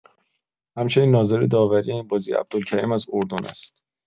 همچنین ناظر داوری این بازی عبدالکریم از اردن است.